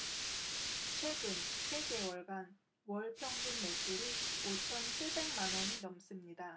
최근 세 개월간 월 평균 매출이 오 천 칠 백만 원이 넘습니다